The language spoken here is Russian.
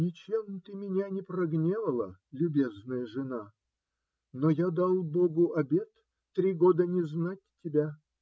- Ничем ты меня не прогневала, любезная жена, но я дал богу обет три года не знать тебя.